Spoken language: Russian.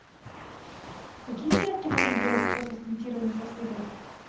какие зарядки можно делать после стентирования сосудов